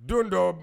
Don dɔ